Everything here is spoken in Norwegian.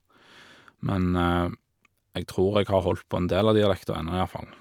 Men jeg tror jeg har holdt på en del av dialekten ennå, iallfall.